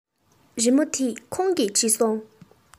རི མོ འདི ཁོང གིས བྲིས སོང